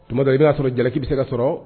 Tuma i b'a sɔrɔ jalakii bɛ se ka sɔrɔ